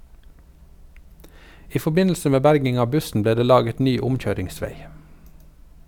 I forbindelse med berging av bussen ble det laget ny omkjøringsvei.